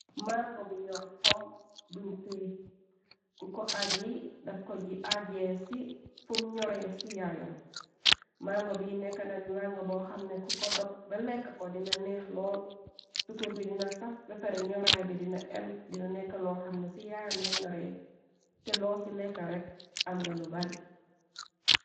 Mango bu ñoor xom buñtee, ku ko aaj yi daf ko ji ajjee ci fum ñore ci yaayam, mango bi nekka nan màngo boo xamne ku ko dokk ba lekka ko, dina neex lool, sukur bi dina saf, beppare ñoraay bi dina em, dina nekka loo xamne ci yaayam la ñore, te loo ci lekka rekk, am nga lu bari.